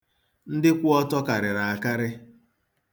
Ndị kwụ ọtọ karịrị akarị.